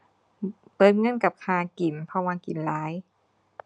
เบิดเงินกับค่ากิน เพราะว่ากินหลาย